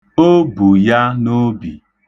O bu ya n'obi.